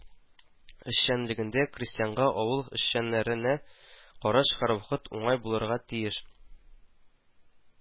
Эшчәнлегендә крестьянга авыл эшчәннәренә караш һәрвакыт уңай булырга тиеш